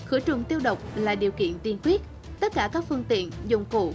khử trùng tiêu độc là điều kiện tiên quyết tất cả các phương tiện dụng cụ